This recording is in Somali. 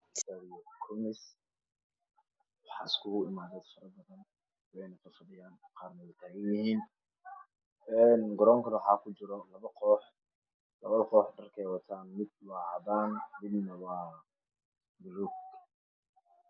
Stadium kulmis waxa isugu imaaday dad fara badan qaar way fadhiyaan qaarna way taaganyihiin garoonkana waxa ku jiro labo koox dharkey wataan mid waa caddaan midna waa buluug